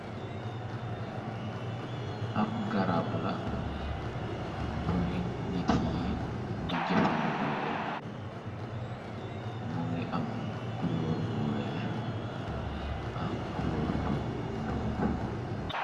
Ab garab la buy nit yi di jëfandekowe mu ngi am kulóor bu weex ax kulóor bu ñoolu.